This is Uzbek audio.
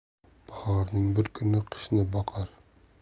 bahorning bir kuni qishni boqar